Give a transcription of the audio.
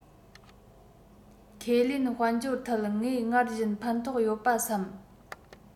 ཁས ལེན དཔལ འབྱོར ཐད ངས སྔར བཞིན ཕན ཐོག ཡོད པ བསམ